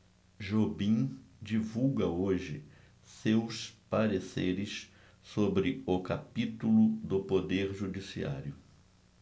jobim divulga hoje seus pareceres sobre o capítulo do poder judiciário